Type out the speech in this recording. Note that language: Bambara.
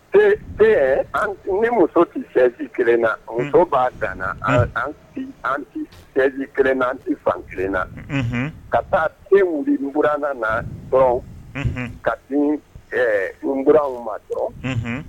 T ni muso tɛ feji kelen na muso b'a dan an an an feji kelen na an tɛ fan kelenna ka taa pekran na na dɔn ka di nuranw ma dɔrɔn